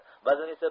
ba'zan esa